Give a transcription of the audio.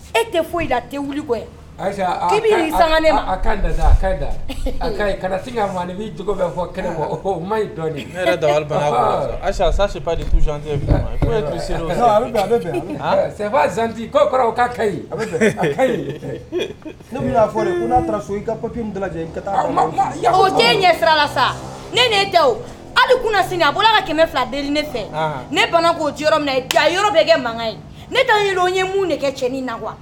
E tɛ foyi la te wuli ayi san a kana ma'i jo bɛ fɔ fɔ ma ayi sati kapi ɲɛ sira la sa ne hali kun sini a bolo ka kɛmɛ fila deli ne fɛ ne bana' minɛ yɔrɔ bɛɛ kɛ mankan ye ne' ye o ye mun de kɛ cɛn na